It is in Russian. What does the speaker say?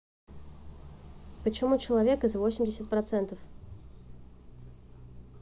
почему человек из восемьдесят процентов